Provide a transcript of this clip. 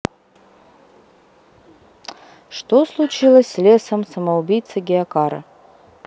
что случилось с лесом самоубийца геокара